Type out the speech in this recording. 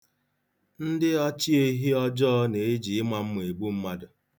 Ndị ọchị ehi ọjọọ na-eji ịma mma egbu mmadụ.